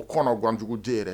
O kɔnɔgan jugu de yɛrɛ